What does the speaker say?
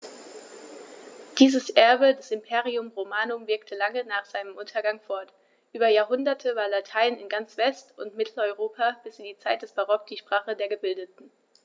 Dieses Erbe des Imperium Romanum wirkte lange nach seinem Untergang fort: Über Jahrhunderte war Latein in ganz West- und Mitteleuropa bis in die Zeit des Barock die Sprache der Gebildeten.